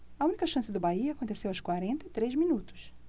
a única chance do bahia aconteceu aos quarenta e três minutos